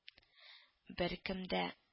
Беркем дә